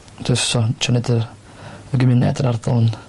jyst t'o' trio neud yr y gymuned yr ardal yn